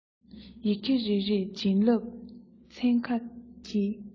ཡི གེ རེ རེར བྱིན རླབས ཚན ཁ འཁྱིལ